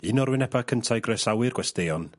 un o'r wyneba cynta i groesawyr gwesteion...